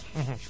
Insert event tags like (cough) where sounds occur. (hesitation) (hesitation)